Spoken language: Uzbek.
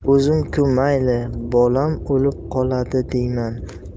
o'zim ku mayli bolam o'lib qoladi deyman